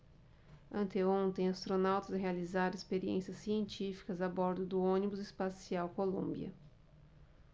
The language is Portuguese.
anteontem astronautas realizaram experiências científicas a bordo do ônibus espacial columbia